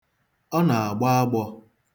Ọ na-agbọ agbọ.